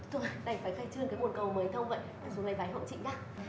thôi đành phải khai trương cái bồn cầu mới thông vậy xuống lấy váy hộ chị nhá